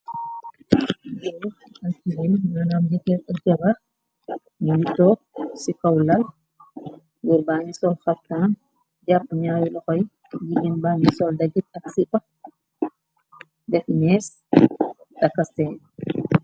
New altiyin nënaam jekeer ërtebar ñu yu too ci kow lal burbanni sool xartaan jàpp ñaayu lu xoy jigin bañni sool dagit ak ci pax def mees takasteen.